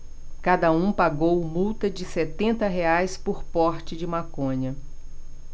cada um pagou multa de setenta reais por porte de maconha